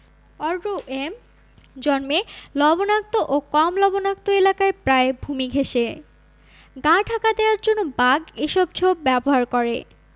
অররুয়েম জন্মে লবণাক্ত ও কম লবণাক্ত এলাকায় প্রায় ভূমি ঘেঁষে গা ঢাকা দেওয়ার জন্য বাঘ এসব ঝোপ ব্যবহার করে